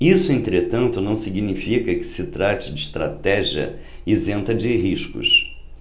isso entretanto não significa que se trate de estratégia isenta de riscos